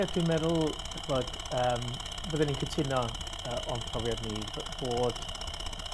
Ie dwi'n meddwl dych ch'mod yym fyddwn i'n cytuno yy o'n profiad ni fy- bod